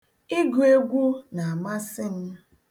Ịgụ egwu na-amasị m.